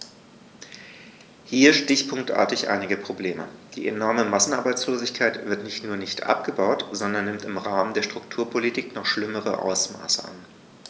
Hier stichpunktartig einige Probleme: Die enorme Massenarbeitslosigkeit wird nicht nur nicht abgebaut, sondern nimmt im Rahmen der Strukturpolitik noch schlimmere Ausmaße an.